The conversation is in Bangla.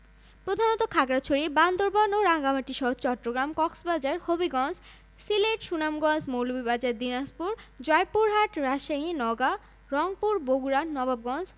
এই বিস্তৃত সমতল ভূমির মধ্যে বৈচিত্র্য সৃষ্টি করেছে দেশের মধ্য অঞ্চলের মধুপুর গড় উত্তর পশ্চিমাঞ্চলের বরেন্দ্রভূমি এবং উত্তর পূর্ব ও দক্ষিণ পূর্বে অবস্থিত কিছু পর্বতসারি